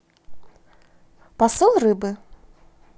посол рыбы